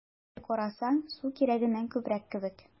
Бер карасаң, су кирәгеннән күбрәк кебек: